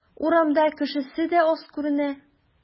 Урамда кешесе дә аз күренә.